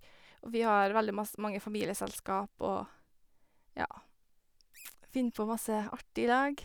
Og vi har veldig mass mange familieselskap, og ja, finner på masse artig i lag.